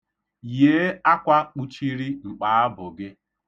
Yie akwa kpuchiri mkpaabụ gi.